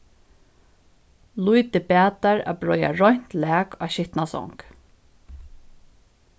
lítið batar at breiða reint lak á skitna song